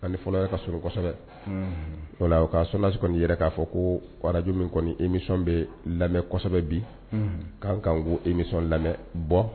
Ani fɔlɔ ka s so kosɛbɛ ka sonsi kɔni yɛrɛ k'a fɔ ko waraj min kɔni emi nisɔn bɛ lamɛn kosɛbɛ bi k' kan bɔ emi nisɔn lamɛn bɔ